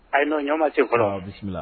Ayiwa ɲɔma se kɔrɔ bisimila